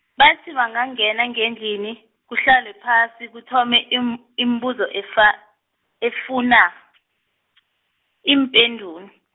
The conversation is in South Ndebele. bathi bangangena ngendlini, kuhlalwe phasi kuthome im- imibuzo efa-, efuna, iimpendulo.